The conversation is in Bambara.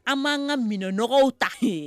An b'an ka minɛɔgɔ ta h